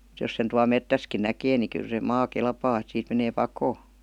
mutta jos sen tuolla metsässäkin näkee niin kyllä se maa kelpaa että siitä menee pakoon